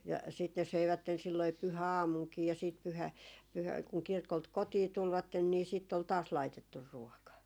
ja sitten ne söivät silloin pyhäaamunakin ja sitten -- kun kirkolta kotiin tulivat niin sitten oli taas laitettu ruoka